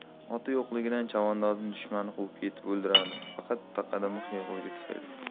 oti yo'qligidan chavandozni dushmani quvib yetib o'ldiradi hammasi taqada mix yo'qligi tufayli